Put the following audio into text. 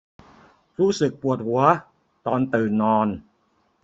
รู้สึกปวดหัวตอนตื่นนอน